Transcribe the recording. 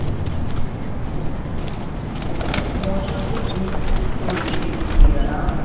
может ли быть у той терьера